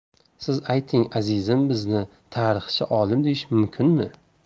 siz ayting azizim bizni tarixchi olim deyish mumkinmi